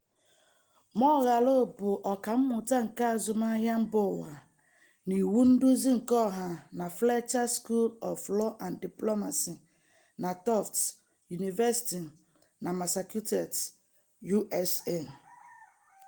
Moghalu bụ ọkammụta nke azụmahịa mba ụwa na iwu nduzi keọha na Fletcher School of Law and Diplomacy na Tufts University na Massachusetts, USA.